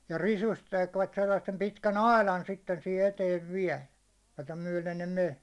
ja risusta tekivät sellaisen pitkän aidan sitten siihen eteen vielä jota myöden ne meni